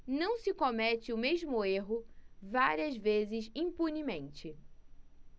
não se comete o mesmo erro várias vezes impunemente